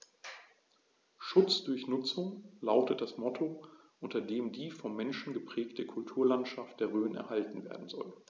„Schutz durch Nutzung“ lautet das Motto, unter dem die vom Menschen geprägte Kulturlandschaft der Rhön erhalten werden soll.